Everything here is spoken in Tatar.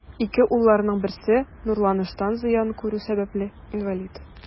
Ике улларының берсе нурланыштан зыян күрү сәбәпле, инвалид.